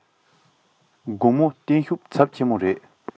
དགོང མོ བསྟན བཤུག ཚབས ཆེན མོ རེ